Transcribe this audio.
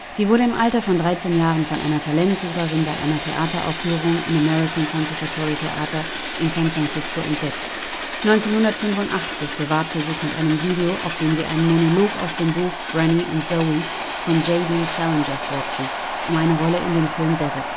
Sie wurde im Alter von dreizehn Jahren von einer Talentsucherin bei einer Theateraufführung im American Conservatory Theater in San Francisco entdeckt. 1985 bewarb sie sich mit einem Video, auf dem sie einen Monolog aus dem Buch Franny und Zooey von J. D. Salinger vortrug, um eine Rolle in dem Film Desert Bloom